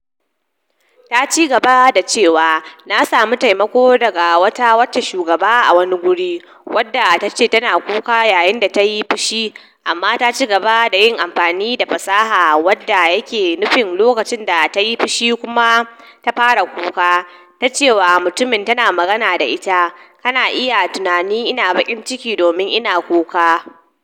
Ta ci gaba da cewa, "Na samu taimako daga wata wacce shugaba a wani guri, wanda ta ce tana kuka yayin da ta yi fushi, amma ta ci gaba da yin amfani da fasaha wanda yake nufin lokacin da ta yi fushi kuma ta fara kuka, ta ce wa mutumin tana magana da ita, "Kana iya tunanin ina bakin ciki domin ina kuka.